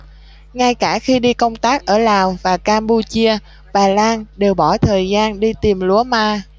ngay cả khi đi công tác ở lào và campuchia bà lang đều bỏ thời gian đi tìm lúa ma